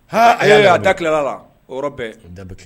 H ha a y'a a da tilala la o yɔrɔ bɛɛ da kɛ